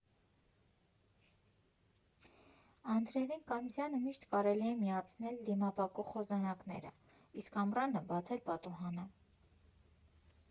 Անձրևին կամ ձյանը միշտ կարելի է միացնել դիմապակու խոզանակները, իսկ ամռանը՝ բացել պատուհանը»։